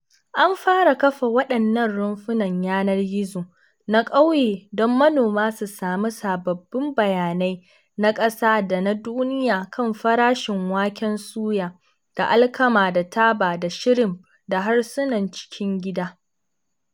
An fara kafa waɗannan rumfunan yanar gizo na ƙauye don manoma su sami sababbin bayanai na ƙasa da na duniya kan farashin waken suya da alkama da taba da shrimp da harsunan cikin gida.